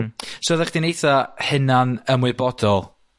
Hmm. So oddach chdi'n eitha hunan ymwybodol?